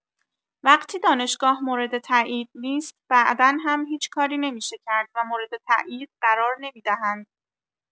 وقتی دانشگاه مورد تایید نیست بعدا هم هیچ کاری نمی‌شه کرد و مورد تایید قرار نمی‌دهند.